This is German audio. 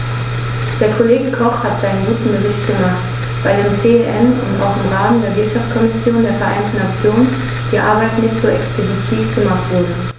Der Kollege Koch hat seinen guten Bericht gemacht, weil im CEN und auch im Rahmen der Wirtschaftskommission der Vereinten Nationen die Arbeit nicht so expeditiv gemacht wurde.